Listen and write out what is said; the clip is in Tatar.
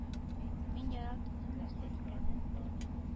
Мин яратуның нәрсә икәнен белмим